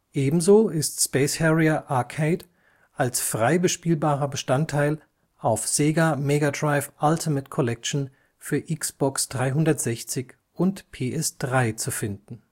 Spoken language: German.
Ebenso ist Space Harrier Arcade als freispielbarer Bestandteil auf SEGA Mega Drive Ultimate Collection für Xbox 360 und PS3 zu finden